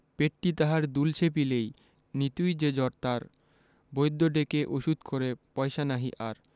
পেটটি তাহার দুলছে পিলেয় নিতুই যে জ্বর তার বৈদ্য ডেকে ওষুধ করে পয়সা নাহি আর